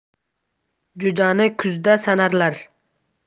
jo'jani kuzda sanarlar